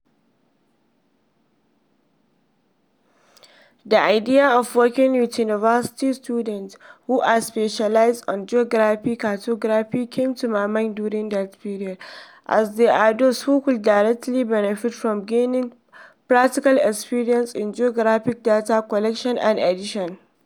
The idea of working with university students, who are specialized on Geography/Cartography came to my mind during that period, as they are those who could directly benefit from gaining practical experience in geographic data collection and edition.